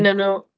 Wnawn nhw...